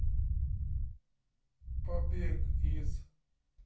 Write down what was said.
побег из